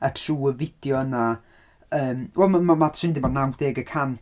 A trwy'r fideo yna yym wel ma- ma- ma' naw deg y cant